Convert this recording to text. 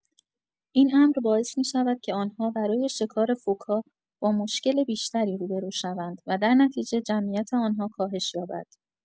این امر باعث می‌شود که آن‌ها برای شکار فوک‌ها با مشکل بیشتری روبرو شوند و در نتیجه جمعیت آن‌ها کاهش یابد.